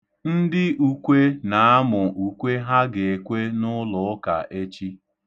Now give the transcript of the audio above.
Ndị ukwe na-amụ ukwe ha ga-ekwe n’ụlụụka echi.